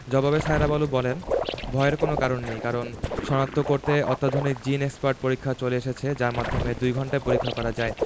জবাবে সায়েরা বানু বলেন ভয়ের কোনো কারণ নেই কারণ শনাক্ত করতে অত্যাধুনিক জিন এক্সপার্ট পরীক্ষা চলে এসেছে যার মাধ্যমে দুই ঘণ্টায় পরীক্ষা করা যায়